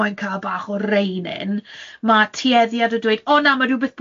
moyn cael bach o reining, ma' tueddiad o dweud, o na, ma' rywbeth